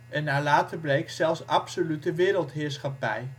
en naar later bleek zelfs absolute wereldheerschappij